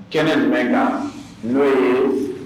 Kɛnɛ jumɛn kan n'o ye